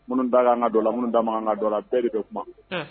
Minnu ta an ka la minnu ta an ka dɔ la bɛɛ de bɛ kuma